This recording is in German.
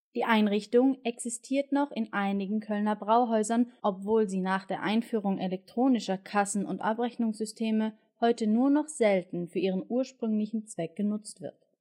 Die Einrichtung existiert noch in einigen Kölner Brauhäusern, obwohl sie nach der Einführung elektronischer Kassen - und Abrechnungssysteme heute nur noch selten für ihren ursprünglichen Zweck genutzt